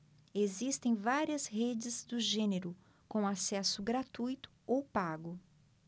existem várias redes do gênero com acesso gratuito ou pago